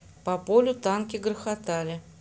по полю танки грохотали